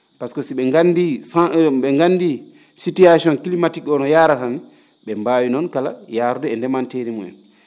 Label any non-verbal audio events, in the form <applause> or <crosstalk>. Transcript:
pasque si ?e nganndii <hesitation> ?e nganndii situation climatique no yaarara ni ?e mbaawi noon kala yaarude e ndemanteeri mu'en